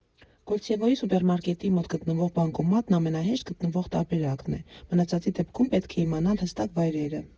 «Կոլցեվոյի» սուպերմարկետի մոտ գտնվող բանկոմատն ամենահեշտ գտնվող տարբերակն է, մնացածի դեպքում պետք է իմանալ հստակ վայրերը։